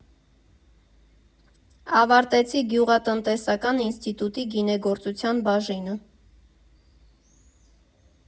Ավարտեցի գյուղատնտեսական ինստիտուտի գինեգործության բաժինը։